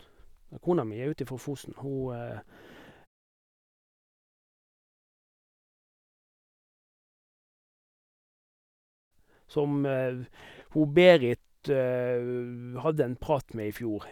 Kona mi er ut ifra Fosen, hun som hun Berit hadde en prat med i fjor.